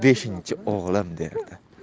beshinchi o'g'lim derdi